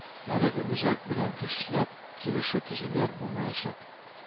Әлеге үзәк белән көчләп килешү төзүләр булмаячак